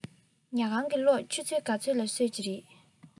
ཉལ ཁང གི གློག ཆུ ཚོད ག ཚོད ལ གསོད ཀྱི རེད